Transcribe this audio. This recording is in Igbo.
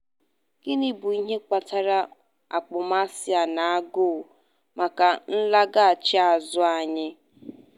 Gịnị bụ ihe kpatara akpọmasị a na agụụ maka nlaghachi azụ anyị?